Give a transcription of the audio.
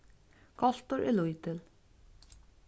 koltur er lítil